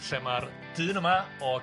...lle ma'r dyn yma o...